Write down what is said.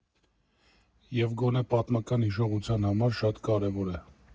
Եվ գոնե պատմական հիշողության համար շատ կարևոր է։